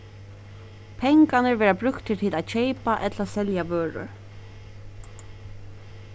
pengarnir verða brúktir til at keypa ella selja vørur